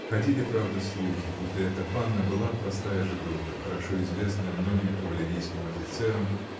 Ходили, правда, слухи, будто эта панна была простая жидовка, хорошо известная многим кавалерийским офицерам.